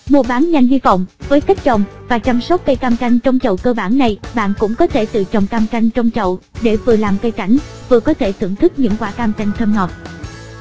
muabannhanh hy vọng với cách trồng và chăm sóc cây cam canh trong chậu cơ bản này bạn cũng có thể tự trồng cam canh trong chậu để vừa làm cây cảnh vừa có thể thưởng thức những quả cam canh thơm ngọt